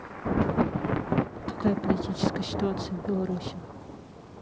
какая политическая ситуация в беларуси